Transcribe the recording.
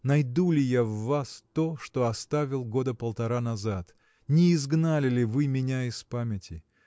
найду ли я в вас то, что оставил года полтора назад? Не изгнали ли вы меня из памяти?